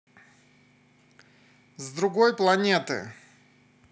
с другой планеты